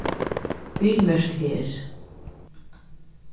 viðmerk her